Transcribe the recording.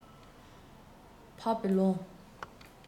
འཕགས པའི ལུང